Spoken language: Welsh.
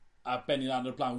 a benni lan ar y bla'n